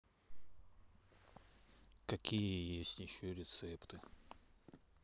какие есть еще рецепты